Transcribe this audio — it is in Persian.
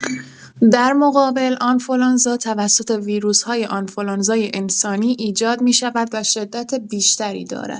در مقابل، آنفولانزا توسط ویروس‌های آنفولانزای انسانی ایجاد می‌شود و شدت بیشتری دارد.